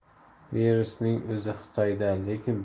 virusning o'zi xitoyda lekin